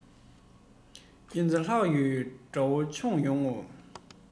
རྐྱེན རྩ ལྷག ཡོང དགྲ བོ མཆོངས ཡོང ངོ